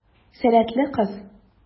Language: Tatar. Сәләтле кыз.